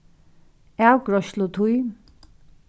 avgreiðslutíð